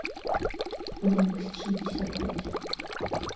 громкость шестьдесят пять